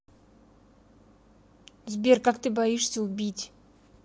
сбер как ты боишься убить